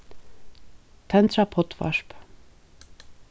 tendra poddvarp